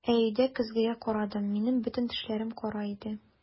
Ә өйдә көзгегә карадым - минем бөтен тешләрем кара иде!